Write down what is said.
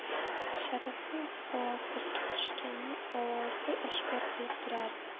sharifning xavotirga tushganini ovozi oshkor qilib turardi